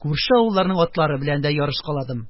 Күрше авылларның атлары белән дә ярышкаладым.